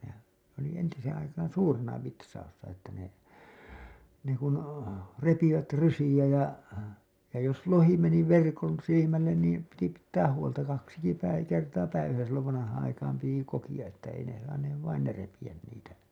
nehän oli entiseen aikaan suurena vitsauksena että ne ne kun repivät rysiä ja ja jos lohi meni verkon silmälle niin piti pitää huolta kaksikin - kertaa päivässä silloin vanhaan aikaan piti kokea että ei ne saaneet vain ne repiä niitä